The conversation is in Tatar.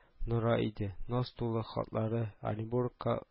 Нора иде, наз тулы хатлары Оренбургка